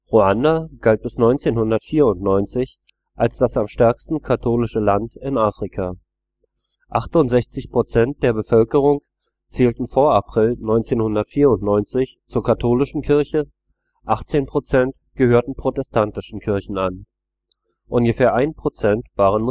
Ruanda galt bis 1994 als das am stärksten katholische Land in Afrika. 68 Prozent der Bevölkerung zählten vor April 1994 zur katholischen Kirche, 18 Prozent gehörten protestantischen Kirchen an. Ungefähr ein Prozent waren